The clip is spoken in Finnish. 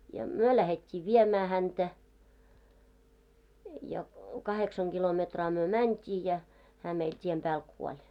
ja me lähdettiin viemään häntä ja kahdeksan kilometriä me mentiin ja hän meillä tien päällä kuoli